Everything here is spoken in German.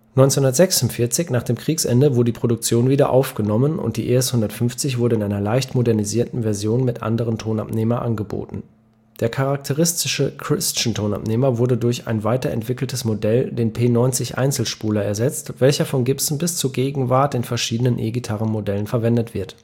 1946, nach Kriegsende, wurde die Produktion wieder aufgenommen, und die ES-150 wurde in einer leicht modernisierten Version mit anderem Tonabnehmer angeboten. Der charakteristische „ Christian “- Tonabnehmer wurde durch ein weiterentwickeltes Modell, den P-90-Einzelspuler ersetzt, welcher von Gibson bis zur Gegenwart in verschiedenen E-Gitarrenmodellen verwendet wird